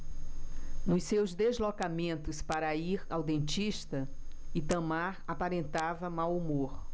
nos seus deslocamentos para ir ao dentista itamar aparentava mau humor